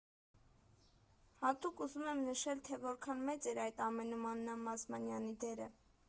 Հատուկ ուզում եմ նշել, թե որքան մեծ էր այդ ամենում Աննա Մազմանյանի դերը։